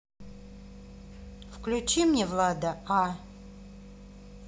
включи мне влада а